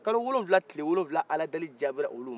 kalo wolowula tile wolowula ala deli jaabira ulu ma